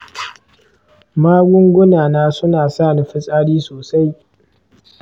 magunguna na suna sa ni fitsari sosai.